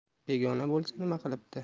begona bo'lsa nima qilibdi